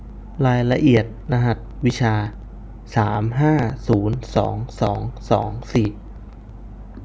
รายละเอียดรหัสวิชาสามห้าศูนย์สองสองสองสี่